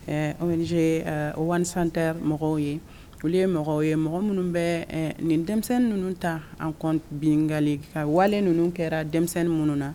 Ɛɛ anw wali tɛ mɔgɔw ye olu ye mɔgɔw ye mɔgɔ minnu bɛ nin denmisɛnnin ninnu ta an binga ka walilen ninnu kɛra denmisɛnnin minnu na